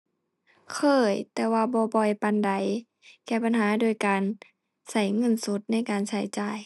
เคย แต่ว่าบ่บ่อยปานใด แก้ปัญหาด้วยการใช้เงินสดในการใช้จ่าย